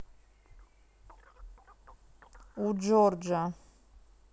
у джорджа